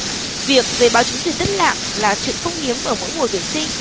việc giấy báo trúng tuyển thất lạc là chuyện không hiếm ở mỗi mùa tuyển sinh